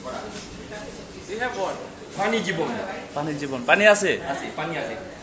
O you have what পানি জীবন পানি আছে হ্যাঁ পানি আছে